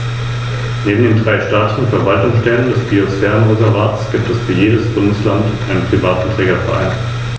An erster Stelle steht dabei der Gedanke eines umfassenden Naturschutzes.